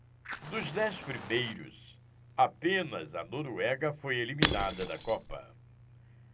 dos dez primeiros apenas a noruega foi eliminada da copa